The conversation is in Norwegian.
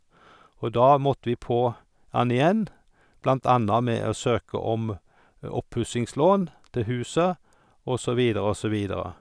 Og da måtte vi på den igjen, blant anna med å søke om oppussingslån til huset, og så videre og så videre.